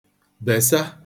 bèsa